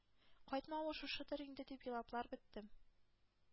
Кайтмавы шушыдыр инде дип елаплар беттем,